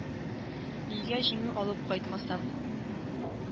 Илгә җиңү алып кайтмасам.